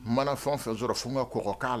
Mana fɛn o fɛn sɔrɔ fɔ ŋa kɔkɔ k'a la